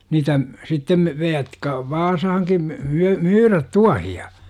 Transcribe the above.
niitä sitten - jotka Vaasaankin -- myydä tuohia